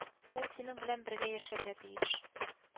Ул синең белән бергә яшәргә тиеш